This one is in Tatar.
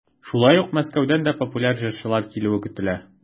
Шулай ук Мәскәүдән дә популяр җырчылар килүе көтелә.